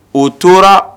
O tora